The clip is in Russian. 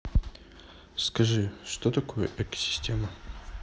скажи что такое экосистема